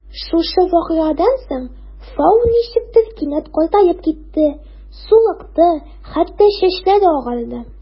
Шушы вакыйгадан соң Фау ничектер кинәт картаеп китте: сулыкты, хәтта чәчләре агарды.